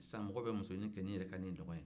sisan mɔgɔ bɛ muso ɲini kɛ n'i dungɔ ye